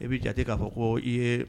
I b bɛi jate k'a fɔ ko i ye